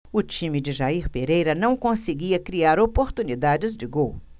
o time de jair pereira não conseguia criar oportunidades de gol